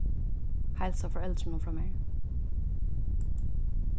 heilsa foreldrunum frá mær